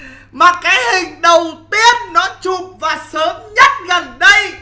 mà cái hình đầu tiên nó chụp và sớm nhất gần đây